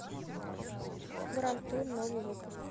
гранд тур новый выпуск